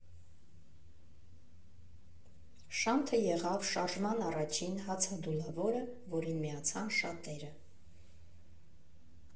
Շանթը եղավ Շարժման առաջին հացադուլավորը, որին միացան շատերը։